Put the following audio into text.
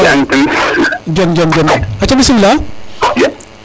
Dione Dione aca bismila